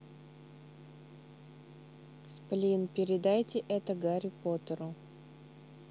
сплин передайте это гарри поттеру